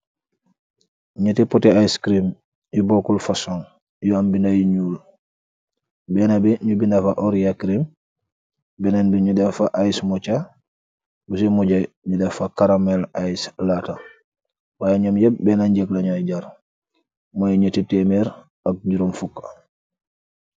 Neeti poti ice crime yi bokkul fason yu am binda yu nuul benn bi nu binafa oria krim benneen bi nu defa is mocca busi muja nu defa karamel ice laata waaye noom yepp bena njek lanuoy jar mooy neet temerr ak juroom foxk.